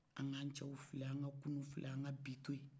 an k'an cɛw filɛ an ka kunu filɛ an ka bi to yen